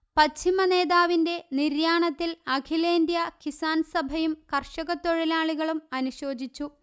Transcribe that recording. പശ്ചിമ നേതാവിന്റെ നിര്യാണത്തിൽ അഖിലേന്ത്യാ കിസാൻസഭയും കർഷകത്തൊഴിലാളികളും അനുശോചിച്ചു